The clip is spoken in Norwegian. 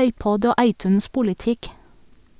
iPod- og iTunes-politikk.